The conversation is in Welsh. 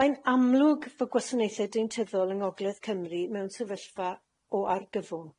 Mae'n amlwg fod gwasanaethe deintyddol yng Ngogledd Cymru mewn sefyllfa o argyfwng.